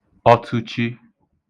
ọtụchi